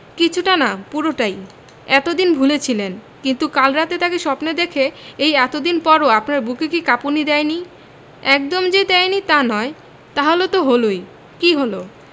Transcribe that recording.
কিছুটা না পুরোটাই এত দিন ভুলে ছিলেন কিন্তু কাল রাতে তাকে স্বপ্নে দেখে এই এত দিন পরও আপনার বুকে কি কাঁপুনি দেয়নি একদম যে দেয়নি তা নয় তাহলে তো হলোই কী হলো